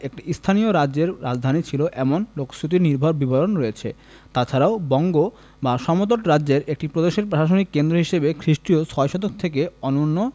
কটি স্বাধীন রাজ্যের রাজধানী ছিল এমন লোকশ্রুতি নির্ভর বিবরণ রয়েছে তা ছাড়াও বঙ্গ বা সমতট রাজ্যের একটি প্রদেশের প্রশাসনিক কেন্দ্র হিসেবে খ্রিস্টীয় ছয় শতক থেকে অনূন্য